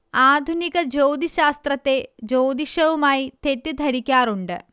ആധുനിക ജ്യോതിശ്ശാസ്ത്രത്തെ ജ്യോതിഷവുമായി തെറ്റിദ്ധരിക്കാറുണ്ട്